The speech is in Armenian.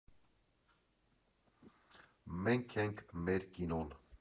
Մենք ենք, մեր կինոն։